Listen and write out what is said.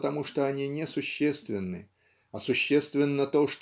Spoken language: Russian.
потому что они несущественны. А существенно то